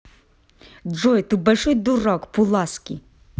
джой ты большой дурак пуласки